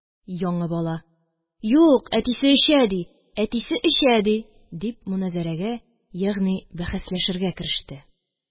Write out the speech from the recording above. Яңы бала: – Юк, әтисе эчә, ди, әтисе эчә, ди, – дип, моназарәгә, ягъни бәхәсләшергә кереште